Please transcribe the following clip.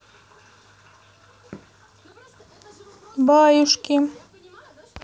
баюшки